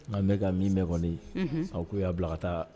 N bɛ ka min bɛ kɔni a ko i y'a bila ka taa